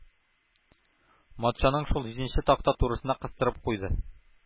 Матчаның шул җиденче такта турысына кыстырып куйды.